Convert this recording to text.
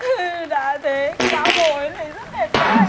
đã thế cái lão bồ đấy lại rất đẹp trai